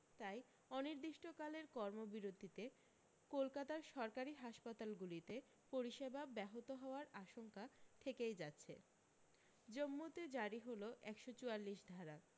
তাই অনির্দিষ্টকালের কর্মবিরতিতে কলকাতার সরকারী হাসপাতালগুলিতে পরিষেবা ব্যাহত হওয়ার আশঙ্কা থেকেই যাচ্ছে জমমুতে জারি হল একশ চুয়াল্লিশ ধারা